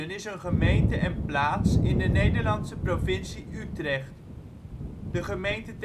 is een gemeente en plaats in de Nederlandse provincie Utrecht. De gemeente